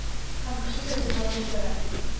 Һәм кеше дә җырлап яшәрә